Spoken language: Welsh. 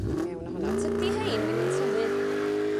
Mewn â honna tydi rhein ddim yn tyfu